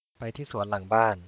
ไปที่สวนหลังบ้าน